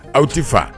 Aw ti faa.